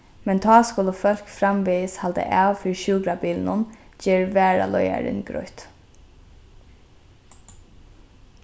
men tá skulu fólk framvegis halda av fyri sjúkrabilinum ger varaleiðarin greitt